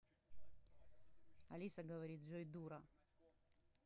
алиса говорит джой дура